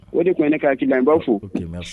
O de kɔni ne k'ki n b'a fo